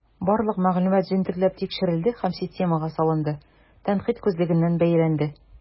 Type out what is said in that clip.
Барлык мәгълүмат җентекләп тикшерелде һәм системага салынды, тәнкыйть күзлегеннән бәяләнде.